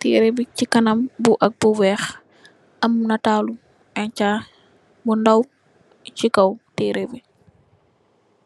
Tërré bi ci kanam, bi weex, am nataalu Échaa bu ndaw, ci kow tërrë bi.